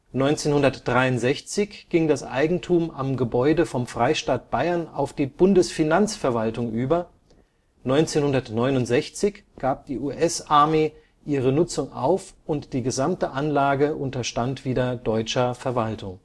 1963 ging das Eigentum am Gebäude vom Freistaat Bayern auf die Bundesfinanzverwaltung über, 1969 gab die US-Army ihre Nutzung auf und die gesamte Anlage unterstand wieder deutscher Verwaltung